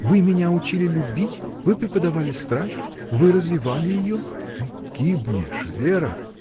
Вы меня учили любить, вы преподавали страсть, вы развивали ее. — Ты гибнешь, Вера!